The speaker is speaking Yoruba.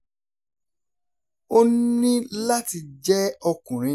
Ó ń láti jẹ́ ọkùnrin.